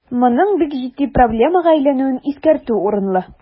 Моның бик җитди проблемага әйләнүен искәртү урынлы.